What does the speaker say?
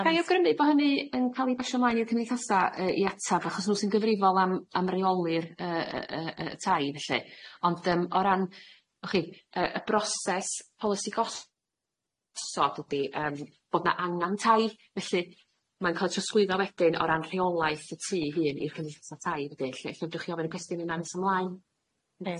Yy gai awgrymu bo hynny yn ca'l 'i basho mlaen i'r cymdithasa yy i atab achos nw sy'n gyfrifol am am reoli'r yy yy yy y tai felly ond yym o ran w'ch chi yy y broses polisi gosod ydi yym bod 'na angan tai felly ma'n ca'l i trosgwyddo wedyn o ran rheolaeth y tŷ hŷn i'r cymunithasa tai dydi felly ella fedrwch chi ofyn y cwestiwn yna nes ymlaen?